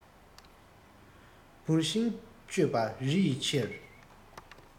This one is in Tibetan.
བུར ཤིང གཅོད པ རི ཡི ཕྱིར